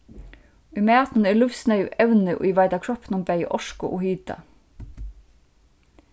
í matinum eru lívsneyðug evni ið veita kroppinum bæði orku og hita